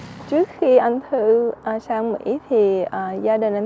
trước khi anh thư a sang mỹ thì gia đình anh